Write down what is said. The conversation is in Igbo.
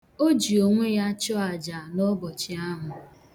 O ji onwe ya tụọ aja n'ụbọchị ahụ.